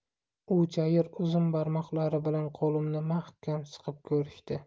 u chayir uzun barmoqlari bilan qo'limni mahkam siqib ko'rishdi